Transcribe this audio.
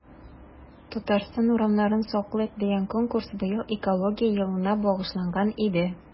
“татарстан урманнарын саклыйк!” дигән конкурс быел экология елына багышланган иде.